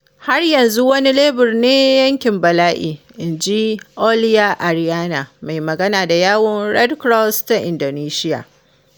“Har yanzu wani lebur ne yankin bala’i,” inji Aulia Arriani, mai magana da yawun Red Cross ta Indonesiya.